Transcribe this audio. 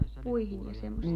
puihin ja semmoisiin